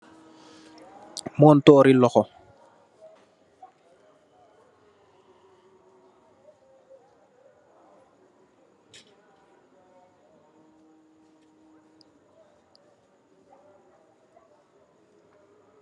montar loxo .